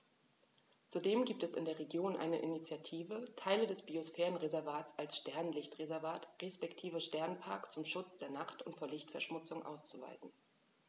Zudem gibt es in der Region eine Initiative, Teile des Biosphärenreservats als Sternenlicht-Reservat respektive Sternenpark zum Schutz der Nacht und vor Lichtverschmutzung auszuweisen.